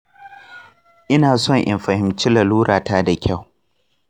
ina son in fahimci lalura ta da kyau.